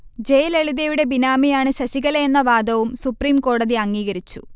ജയലളിതയുടെ ബിനാമിയാണ് ശശികലയെന്ന വാദവും സുപ്രീംകോടതി അംഗീകരിച്ചു